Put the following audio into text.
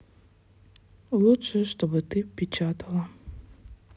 лучше чтобы ты печатала